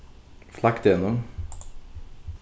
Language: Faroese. flaggdegnum